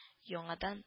Яңадан